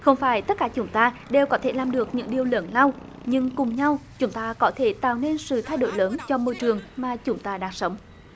không phải tất cả chúng ta đều có thể làm được những điều lớn lao nhưng cùng nhau chúng ta có thể tạo nên sự thay đổi lớn cho môi trường mà chúng ta đang sống